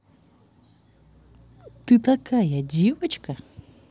ты такая девочка